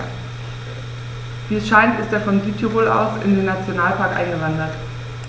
Wie es scheint, ist er von Südtirol aus in den Nationalpark eingewandert.